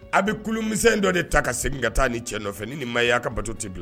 A bɛ kulumisɛn dɔ de ta ka segin ka taa nin cɛ nɔfɛ ni nin ma ye aw ka bateau tɛ bila